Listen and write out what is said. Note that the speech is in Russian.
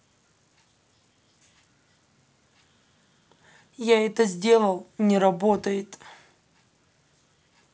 я это сделал не работает